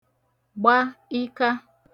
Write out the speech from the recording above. gba ịka